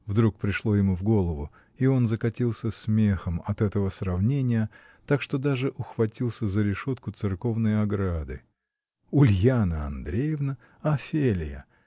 вдруг пришло ему в голову, и он закатился смехом от этого сравнения, так что даже ухватился за решетку церковной ограды. Ульяна Андреевна — Офелия!